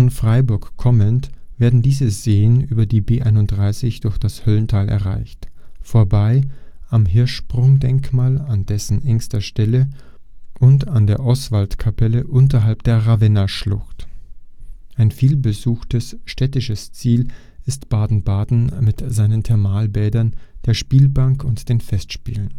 Freiburg kommend werden diese Seen über die B 31 durch das Höllental erreicht, vorbei am Hirschsprung-Denkmal an dessen engster Stelle, und an der Oswald-Kapelle unterhalb der Ravennaschlucht. Ein vielbesuchtes städtisches Ziel ist Baden-Baden mit seinen Thermalbädern, der Spielbank und den Festspielen